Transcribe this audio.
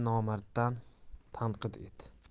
nomardni tanqid et